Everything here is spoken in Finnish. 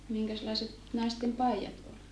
minkäslaiset naisten paidat oli